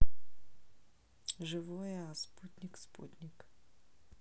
живое а спутник спутник